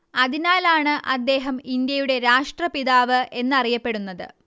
അതിനാലാണ് അദ്ദേഹം ഇന്ത്യയുടെ രാഷ്ട്രപിതാവ് എന്ന് അറിയപ്പെടുന്നത്